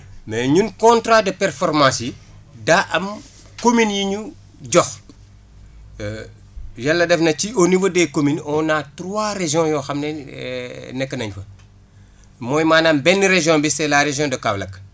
mais ñun contrat de performance yi daa am communes yi ñu jox yàlla def na ci au niveau des vcommunes on a trois régions yoo xam ne nekk nañ fa mooy maanaam benn région bi c' est la région de Kaolack